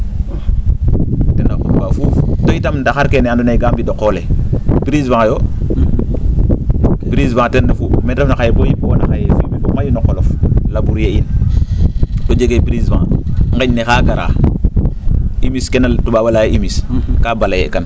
ten naa xupkaa fuuf to itam ndaxar kee andoona yee kaa mbid o qole prise vent yoo prise vent ten refu me te refna boo yipoona xaye fumier fa mayu no o qolof labourer in to jege prise vent nqeñ ne xaa gara immisce ke toubab a leyaa immisce kaa balayer kan